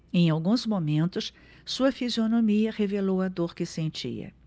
em alguns momentos sua fisionomia revelou a dor que sentia